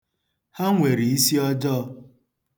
Ha nwere isiọjọọ.